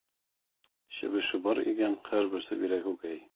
Чебеше бар икән, һәрберсе бирә күкәй.